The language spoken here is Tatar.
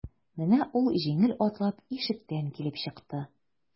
Менә ул җиңел атлап ишектән килеп чыкты.